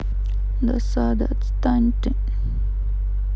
досада отстань ты